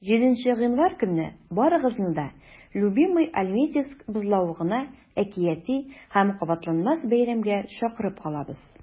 7 гыйнвар көнне барыгызны да "любимыйальметьевск" бозлавыгына әкияти һәм кабатланмас бәйрәмгә чакырып калабыз!